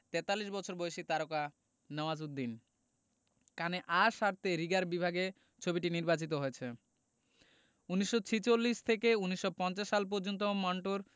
৪৩ বছর বয়সী তারকা নওয়াজুদ্দিন কানে আঁ সারতে রিগার বিভাগে ছবিটি নির্বাচিত হয়েছে ১৯৪৬ থেকে ১৯৫০ সাল পর্যন্ত মান্টোর